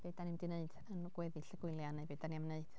Be dan ni'n mynd i wneud yn gweddill y gwyliau, neu be dan ni am wneud?